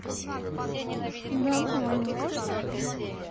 домой можно